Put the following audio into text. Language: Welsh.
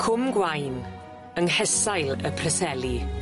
Cwm Gwaun, yng nghesail y Preseli.